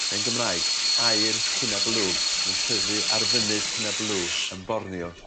neu'n Gymraeg aur Kinabalu mae'n tyfu ar fynydd Kinabalu yn Bornio.